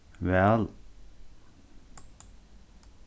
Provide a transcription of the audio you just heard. væl